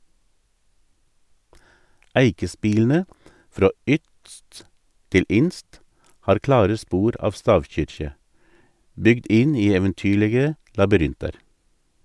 Eikespilene frå ytst til inst har klare spor av stavkyrkje, bygd inn i eventyrlege labyrintar.